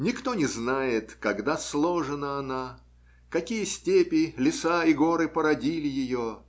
Никто не знает, когда сложена она, какие степи, леса и горы породили ее